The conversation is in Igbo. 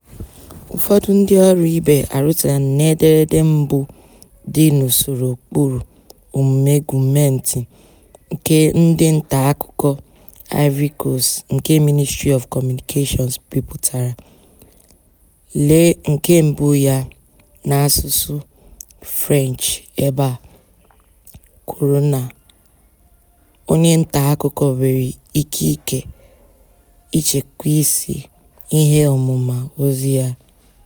Ụfọdụ ndịọrụ ibe arụtụla na ederede mbụ dị n'usoro ụkpụrụ omume gọọmentị nke ndị ntaakụkọ Ivory Coast nke Ministry of Communications bipụtara (lee nke mbụ ya n'asụsụ French ebe a) kwuru na "onye ntaakụkọ nwere ikike ịchekwa isi ihe ọmụma ozi ya.